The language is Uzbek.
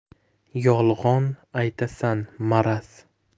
yolg'on aytasan maraz